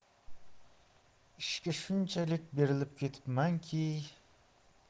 ishga shunchalik berilib ketibmanki